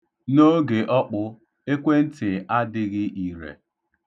N'oge ọkpụ, ekwentị adịghị ire.